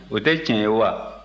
o tɛ tiɲɛ ye wa